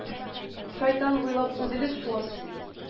Шайтан буйлап үзегез шуасыз бит.